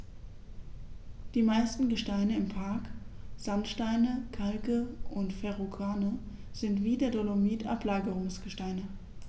Die meisten Gesteine im Park – Sandsteine, Kalke und Verrucano – sind wie der Dolomit Ablagerungsgesteine.